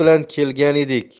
bilan kelgan edik